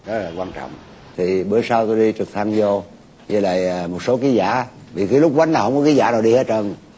đó là quan trọng thì bữa sau tui đi trước thăm dô với lại một số ký giả thì cái lúc goánh lộn không kí giả nào đi hết trơn